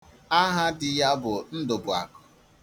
Aha di ya bụ Ndụ̀bụ̀àkù.